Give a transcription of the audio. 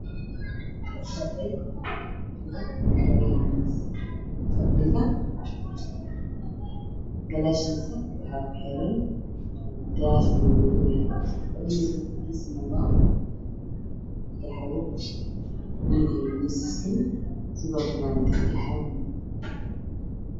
Waa qol waxaa yaalo waa qol waxaa yaalo miis fadhi madibadoodu yahay miiska fadhiga wiiska waad dahabi waa madow daah waa madow dhulku wacdo